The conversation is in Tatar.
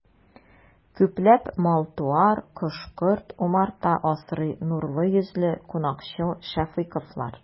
Күпләп мал-туар, кош-корт, умарта асрый нурлы йөзле, кунакчыл шәфыйковлар.